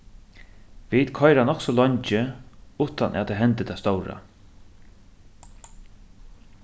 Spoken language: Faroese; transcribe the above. vit koyra nokk so leingi uttan at tað hendir tað stóra